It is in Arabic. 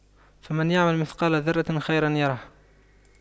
فَمَن يَعمَل مِثقَالَ ذَرَّةٍ خَيرًا يَرَهُ